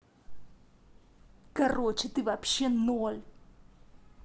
короче ты вообще ноль